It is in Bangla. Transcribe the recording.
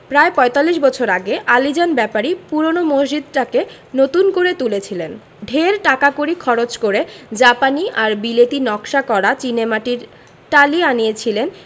প্রায় পঁয়তাল্লিশ বছর আগে আলীজান ব্যাপারী পূরোনো মসজিদটাকে নতুন করে তুলেছিলেন ঢের টাকাকড়ি খরচ করে জাপানি আর বিলেতী নকশা করা চীনেমাটির টালি আনিয়েছিলেন